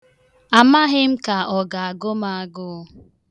Amaghị ka ọ ga-agụ m agụụ.